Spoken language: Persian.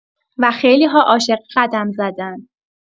و خیلی‌ها عاشق قدم زدن